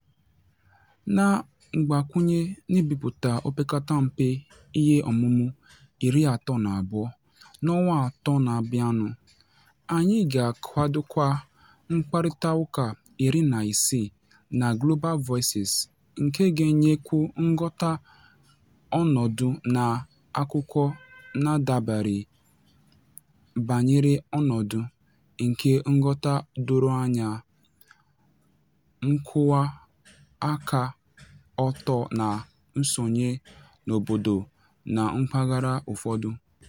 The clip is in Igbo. Na mgbakwunye n'ibipụta opekata mpe ihe ọmụmụ iri atọ na abụọ n'ọnwa atọ na-abịa nụ, anyị ga-akwadokwa mkparịtaụka iri na isii na Global Voices nke ga-enyekwu nghọta ọnọdụ na akụkọ ndabere banyere ọnọdụ nke nghọta doro anya, nkwụwa aka ọtọ na nsonye n'obodo na mpaghara ụfọdụ.